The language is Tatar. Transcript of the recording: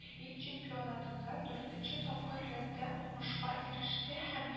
Ил чемпионатында дүртенче тапкыр рәттән уңышка иреште һәм